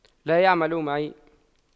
لا يعمل معي